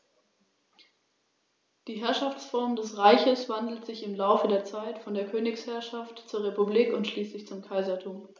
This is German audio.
Wie bei allen Arten der Unterfamilie Aquilinae sind die Beine bis zu den sehr kräftigen gelben Zehen befiedert.